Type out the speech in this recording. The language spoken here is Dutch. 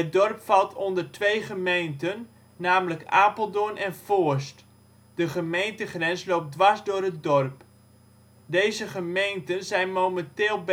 dorp valt onder twee gemeenten, namelijk Apeldoorn en Voorst, de gemeentegrens loopt dwars door het dorp. Deze gemeenten zijn momenteel